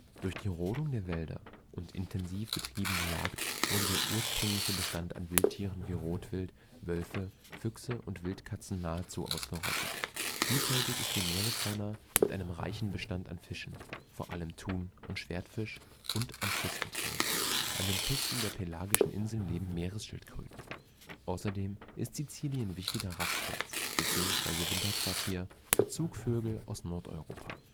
Durch die Rodung der Wälder und intensiv betriebene Jagd wurde der ursprüngliche Bestand an Wildtieren wie Rotwild, Wölfe, Füchse und Wildkatzen nahezu ausgerottet. Vielfältig ist die Meeresfauna mit einem reichen Bestand an Fischen, vor allem Thun - und Schwertfisch, und an Krustentieren. An den Küsten der Pelagischen Inseln leben Meeresschildkröten. Außerdem ist Sizilien wichtiger Rastplatz, beziehungsweise Winterquartier für Zugvögel aus Nordeuropa